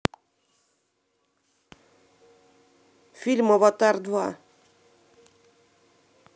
фильм аватар два